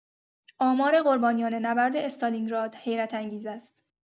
آمار قربانیان نبرد استالینگراد حیرت‌انگیز است.